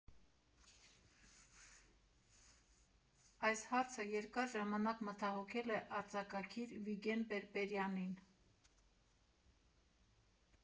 Այս հարցը երկար ժամանակ մտահոգել է արձակագիր Վիգէն Պէրպէրեանին։